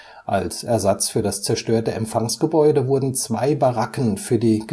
Als Ersatz für das zerstörte Empfangsgebäude wurden zwei Baracken für die